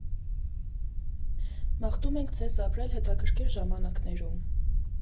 Մաղթում ենք ձեզ ապրել հետաքրքիր ժամանակներում։